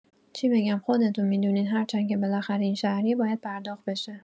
چی بگم خودتون می‌دونید هرچند که بلاخره این شهریه باید پرداخت بشه